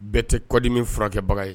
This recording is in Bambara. Bɛɛ tɛ kɔdi min furakɛbaga ye